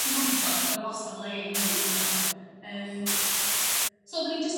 do's o'm digon ma' 'na wastod le i mwy dw i'n meddwl yym. So oddwn i'n jyst